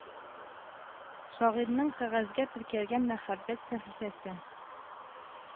Шагыйрьнең кәгазьгә теркәлгән мәхәббәт сәхифәсе